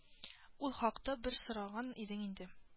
Ул хакта бер сораган идең инде